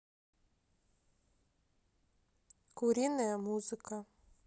куриная музыка